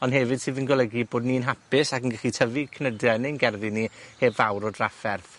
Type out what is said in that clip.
ond hefyd sydd yn golygu bod ni'n hapus ac yn gallu tyfu cnydau yn ein gerddi ni, heb fawr o drafferth.